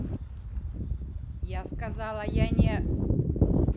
я сказала я не